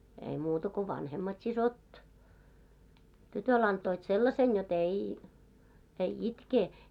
ei muuta kuin vanhemmat siskot tytölle antoivat sellaisen jotta ei ei itke